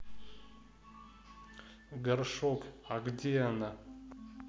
горшок а где она